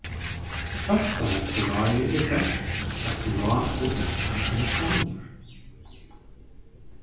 fólkaheilsuráðið er bert eitt ráð og ikki ein stovnur